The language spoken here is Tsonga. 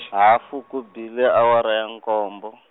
hafu ku bile awara ya nkombo.